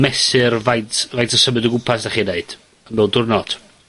mesur faint, faint o symud o gwmpas 'dach chi'n neud, mewn diwrnod.